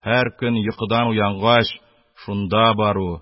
Һәр көн йокыдан уянгач, шунда бару,